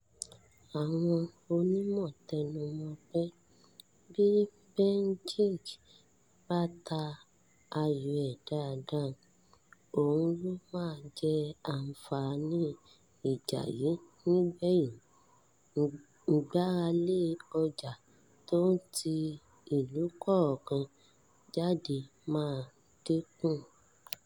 Àwọn onímọ̀ tẹnumọ pé bíi Beijing bá ta ayò ẹ̀ dáadáa, òun ló máa jẹ àǹfààní ìjà yí nígbẹ̀yìn. Ìgbáralé ọjà tó ń ti ìú kọ̀ọ̀kan jáde ma dínkù